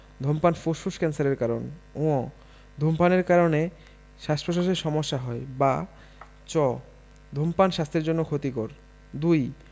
ধূমপান ফুসফুস ক্যান্সারের কারণ ঙ ধূমপানের কারণে শ্বাসপ্রশ্বাসের সমস্যা হয় বা চ ধূমপান স্বাস্থ্যের জন্য ক্ষতিকর ২